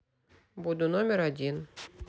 буду номер один